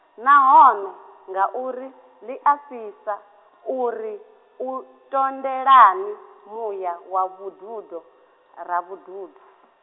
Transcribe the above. nahone, ngauri ḽi a fhisa, uri, u ṱoḓelani muya wa vhududo, Ravhududo.